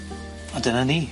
A dyna ni.